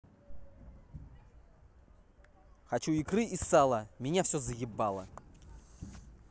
хочу икры и сала меня все заебало